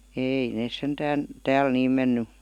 ei ne sentään täällä niin mennyt